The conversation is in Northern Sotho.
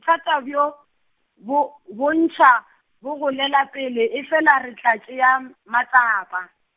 bothata bjo bo bontšha, bo golela pele efela re tla tšea m-, matsapa.